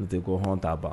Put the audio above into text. N tɛ ko hɔntan ban